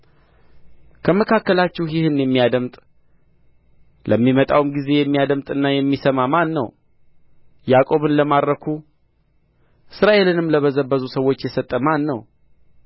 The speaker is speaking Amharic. ከመካከላችሁ ይህን የሚያደምጥ ለሚመጣውም ጊዜ የሚያደምጥና የሚሰማ ማን ነው ያዕቆብን ለማረኩ እስራኤልንም ለበዘበዙ ሰዎች የሰጠ ማን ነው